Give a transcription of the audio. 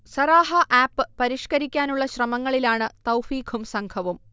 Sarahah app പരിഷ്കരിക്കാനുള്ള ശ്രമങ്ങളിലാണ് തൗഫീഖും സംഘവും